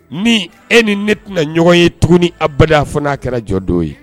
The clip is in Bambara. Ni e ni ne tɛna ɲɔgɔn ye tuguni ni abada fo n'a kɛra jɔ don ye